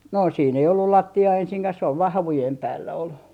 no siinä ei ollut lattiaa ensinkään se on vain havujen päällä oli